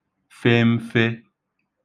fē m̄fē